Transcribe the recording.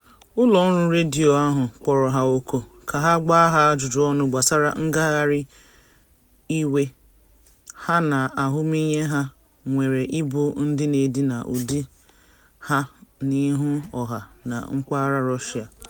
Ụlọọrụ redio ahụ kpọrọ ha òkù ka a gbaa ha ajụjụọnụ gbasara ngagharị iwe ha na ahụmịhe ha nwere ịbụ ndị na-edina ụdị ha n'ihu ọha na mpaghara Russia.